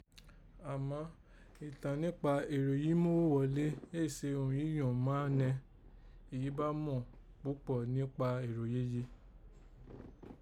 Àmá, ìtàn níkpa ẹ̀rọ yìí mí móghó ghọ̀lé èé ṣe irun yìí yọ̀n má nẹ èyí ba mọ kpúkpò sí níkpa èrò yéye